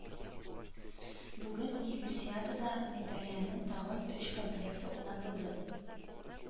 Бүген Универсиадада медальләрнең тагын өч комплекты уйнатылды